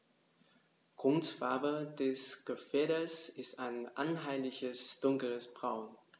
Grundfarbe des Gefieders ist ein einheitliches dunkles Braun.